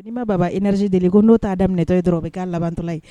Ni ma baba iɛreze deli ko n' t'a da minɛtɔ ye dɔrɔn u bɛ k'a labantɔ ye